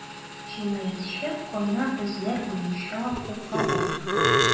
Җинаятьче “кайнар эзләр” буенча кулга алына.